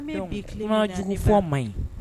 E b'i kima man ɲi